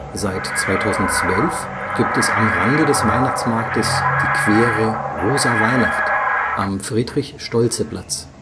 Seit 2012 gibt es am Rande des Weihnachtsmarktes die queere „ Rosa Weihnacht “am Friedrich-Stoltze-Platz